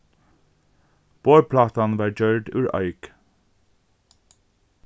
borðplátan varð gjørd úr eik